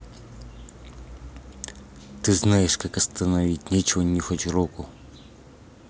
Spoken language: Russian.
ты знаешь как остановить нечего нюхать руку